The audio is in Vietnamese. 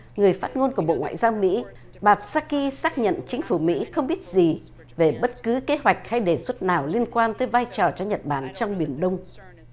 người phát ngôn của bộ ngoại giao mỹ bà sác ki xác nhận chính phủ mỹ không biết gì về bất cứ kế hoạch hay đề xuất nào liên quan tới vai trò cho nhật bản trong biển đông